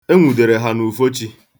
E nwudoro ha n'ufochi.